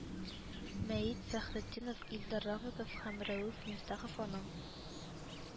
Мә ит Фәхретдинов, Илдар Рафыйков һәм Рәүф Мифтахов аның